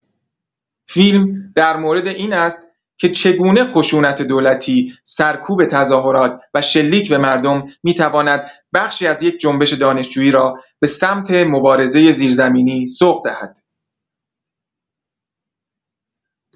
فیلم در مورد این است که چگونه خشونت دولتی، سرکوب تظاهرات، و شلیک به مردم، می‌تواند بخشی از یک جنبش دانشجویی را به سمت مبارزه زیرزمینی سوق دهد.